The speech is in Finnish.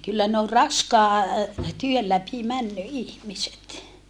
kyllä ne on raskaan työn läpi mennyt ihmiset